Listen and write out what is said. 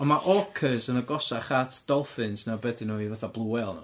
Ond mae orcas yn agosach at dolffins na beth ydyn nhw i fatha blue whale.